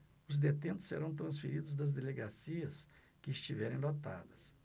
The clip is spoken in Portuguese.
os detentos serão transferidos das delegacias que estiverem lotadas